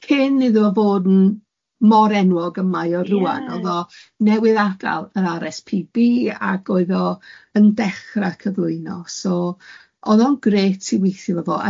Cyn iddo fo fod yn mor enwog yma o rŵan... Ia. ...oedd o newydd adael yr ar ess pee bee ag oedd o yn dechra cyflwyno, so oedd o'n grêt i withio efo fo